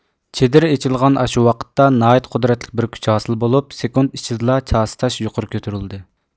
چېدىر ئېچىلغان ئاشۇ ۋاقىتتا ناھايىتى قۇدرەتلىك بىر كۈچ ھاسىل بولۇپ سېكۇنت ئىچىدىلا چاسا تاش يۇقىرى كۆتۈرۈلدى